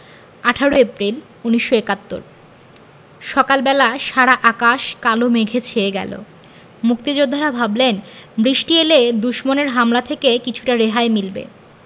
১৮ April ১৯৭১ সকাল বেলা সারা আকাশ কালো মেঘে ছেয়ে গেল মুক্তিযোদ্ধারা ভাবলেন বৃষ্টি এলে দুশমনের হামলা থেকে কিছুটা রেহাই মিলবে